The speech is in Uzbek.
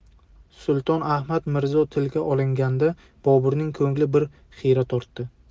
sulton ahmad mirzo tilga olinganda boburning ko'ngli bir xira tortdi